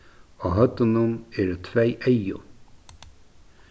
á høvdinum eru tvey eygu